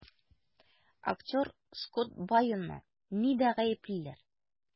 Актер Скотт Байоны нидә гаеплиләр?